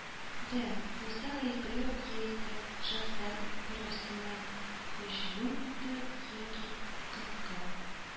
Дә булса гаепләү яисә шәхсән берәрсенә һөҗүм итү, яки коткы